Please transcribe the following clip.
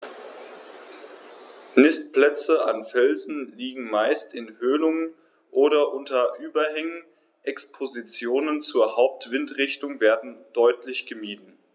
Nistplätze an Felsen liegen meist in Höhlungen oder unter Überhängen, Expositionen zur Hauptwindrichtung werden deutlich gemieden.